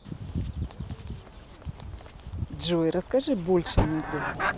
джой расскажи больше анекдот